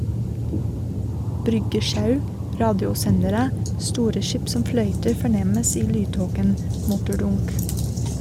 Bryggesjau, radiosendere, store skip som fløyter fornemmes i lydtåken, motordunk.